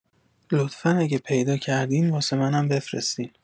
لطفا اگه پیدا کردین واسه منم بفرستین